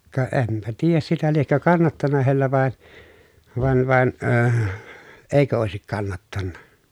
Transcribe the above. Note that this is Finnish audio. ka enpä tiedä sitä liekö kannattanut heillä vain vaan vaan - eikö olisi kannattanut